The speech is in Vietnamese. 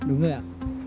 đúng rồi ạ